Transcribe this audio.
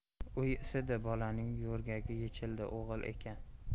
uy isidi bolaning yo'rgagi yechildi o'g'il ekan